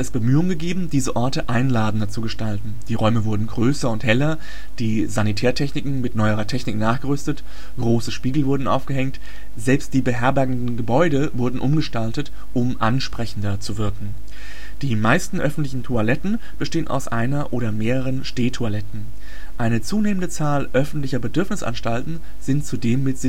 Bemühungen gegeben, diese Orte einladender zu gestalten. Die Räume wurden größer und heller, die Sanitäreinrichtungen mit neuerer Technik nachgerüstet, große Spiegel wurden aufgehängt. Selbst die beherbergenden Gebäude wurden umgestaltet, um ansprechender zu wirken. Die meisten öffentlichen Toiletten bestehen aus einer oder mehreren Stehtoiletten. Eine zunehmende Zahl öffentlicher Bedürfnisanstalten sind zudem mit Sitztoiletten